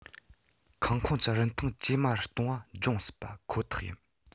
ཁང ཁོངས ཀྱི རིན ཐང ཇེ དམའ རུ གཏོང བ འབྱུང སྲིད པ ཁོ ཐག ཡིན